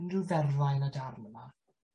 Unryw ferfau yn y darn yma?